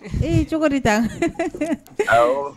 I cogo ta